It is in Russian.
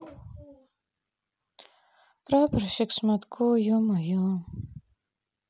прапорщик шматко е мое